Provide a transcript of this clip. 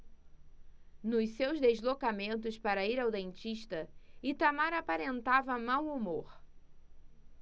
nos seus deslocamentos para ir ao dentista itamar aparentava mau humor